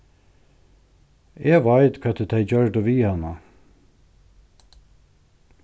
eg veit hvat ið tey gjørdu við hana